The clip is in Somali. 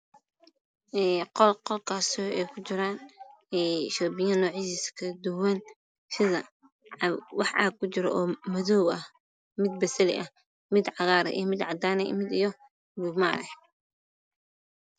Qol Qolkasoo. ku jiraan shoobinnu noocyadiisa kala. duwan sida wax caag. kujiro oo madow mid. basali ah.mid cagar mid caadan iyo mid. Bulug maar ah